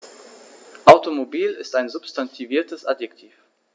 Automobil ist ein substantiviertes Adjektiv.